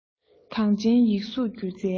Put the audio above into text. གངས ཅན ཡིག གཟུགས སྒྱུ རྩལ